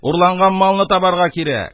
Урланган малны табарга кирәк...